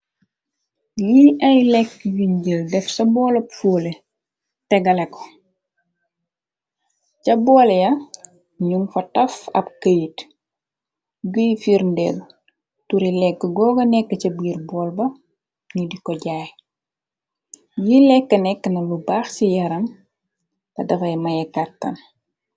Li ay lekk yunjël def sa boolo foole, te gale ko, ca booleya num fa taf ab këyit, guy furndeel turi lekk googo nekk ca biir bool ba, ñu di ko jaay, yi lekk nekk na lu baax ci yaram, te dafay mayekàttam.